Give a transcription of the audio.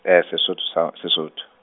e Sesotho sa Sesotho.